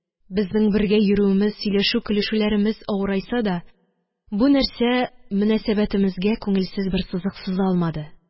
Безнең бергә йөрүемез, сөйләшү, көлешүләремез авырайса да, бу нәрсә мөнәсәбәтемезгә күңелсез бер сызык сыза алмады